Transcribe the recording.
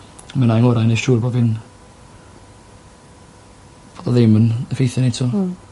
Mi wnâi ngora neu' siŵr bo' fi'n bod o ddim yn effeithio ni 'to. Hmm.